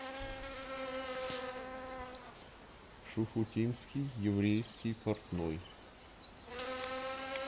шуфутинский еврейский портной